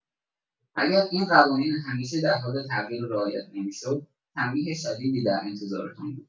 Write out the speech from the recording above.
اگر این قوانین همیشه در حال تغییر رعایت نمی‌شد، تنبیه شدیدی در انتظارتان بود.